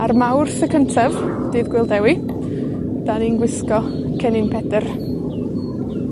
Ar Mawrth y cyntaf, dydd Gŵyl Dewi, 'dan ni'n gwisgo Cennin Pedyr.